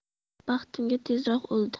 baxtimga tezroq o'ldi